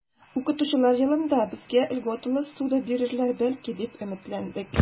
Укытучылар елында безгә льготалы ссуда бирерләр, бәлки, дип өметләндек.